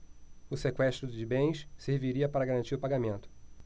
o sequestro de bens serviria para garantir o pagamento